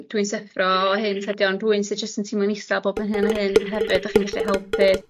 dwi'n syffro hyn tydi o'n rywun sy jyst yn teimlon isal bob yn hyn a hyn hefyd 'dach chi' gallu helpu?